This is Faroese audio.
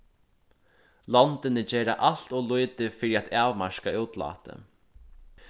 londini gera alt ov lítið fyri at avmarka útlátið